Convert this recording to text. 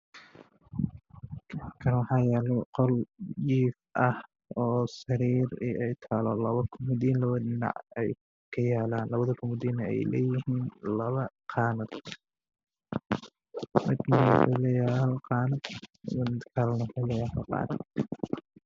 Waa qol waxaa yaal sariir madow ah waxaa saaran jawaari geesaha waxaa ka yaalo laba kun maidiin oo madow ah